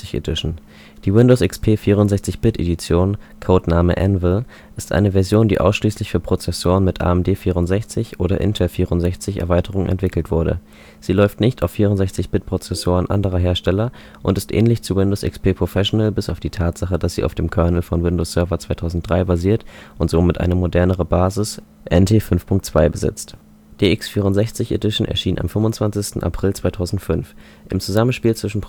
Die Windows XP „ 64-Bit Edition “(Codename „ Anvil “) ist eine Version, die ausschließlich für Prozessoren mit AMD64 - oder Intel-64-Erweiterung entwickelt wurde. Sie läuft nicht auf 64-Bit-Prozessoren anderer Hersteller und ist ähnlich zu Windows XP Professional, bis auf die Tatsache, dass sie auf dem Kernel von Windows Server 2003 basiert und somit eine modernere Basis (NT 5.2) besitzt. Die x64-Edition erschien am 25. April 2005. Im Zusammenspiel zwischen